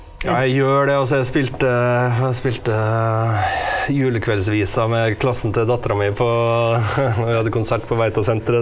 ja jeg gjør det altså jeg spilte var og spilte Julekveldsvisa med klassen til dattera mi på når vi hadde konsert på Veitasenteret.